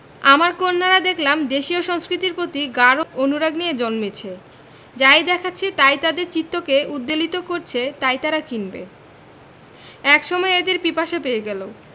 আমার কন্যারা দেখলাম দেশীয় সংস্কৃতির প্রতি গাঢ় অনুরাগ নিয়ে জন্মেছে যাই দেখাচ্ছে তাই তাদের চিত্তকে উদ্বেলিত করছে তাই তারা কিনবে এক সময় এদের পিপাসা পেয়ে গেল